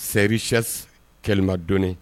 Seriya kɛlɛlimadonnen